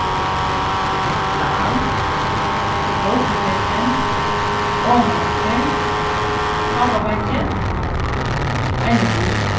festival rópitekin omaneftir pápabeiggi einogtrýss